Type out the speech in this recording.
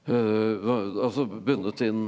altså bundet inn.